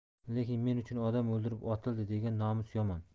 lekin men uchun odam o'ldirib otildi degan nomus yomon